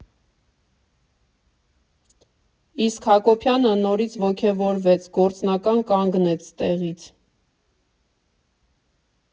Իսկ Հակոբյանը նորից ոգևորվեց, գործնական կանգնեց տեղից։